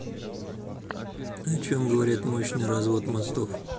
о чем говорят мощный развод мостов